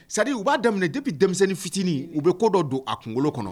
Sa u b'a daminɛ de bɛ denmisɛnnin fitinin u bɛ kɔ dɔ don a kunkolo kɔnɔ